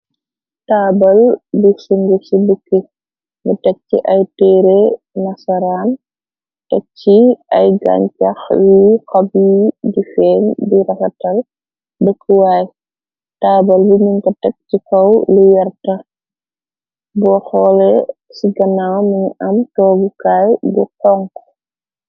Taabal bi singu ci bukki nga teg ci ay tere nasaraan tek ci ay gañcax yu xobi di feen di rafatal dëkkuwaay taabal bi nin ko teg ci kaw li yerta bo xoole ci ganaaw mëngi am toogukaay bu xonku .